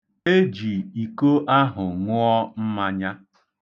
E ji iko ahụ ṅụọ mmanya.